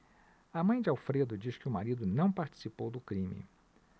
a mãe de alfredo diz que o marido não participou do crime